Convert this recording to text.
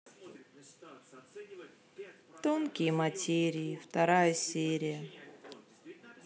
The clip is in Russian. тонкие материи вторая серия